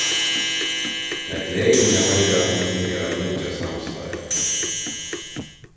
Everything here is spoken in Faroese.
tað gleðir meg at hoyra um tykkara nýggja samstarv